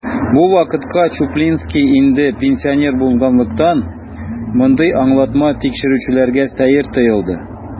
Бу вакытка Чуплинский инде пенсионер булганлыктан, мондый аңлатма тикшерүчеләргә сәер тоелды.